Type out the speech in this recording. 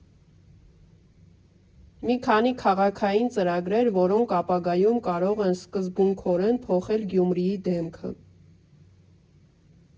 Մի քանի քաղաքային ծրագրեր, որոնք ապագայում կարող են սկզբունքորեն փոխել Գյումրիի դեմքը։